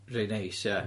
Rei neis, ie.